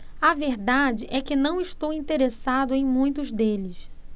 a verdade é que não estou interessado em muitos deles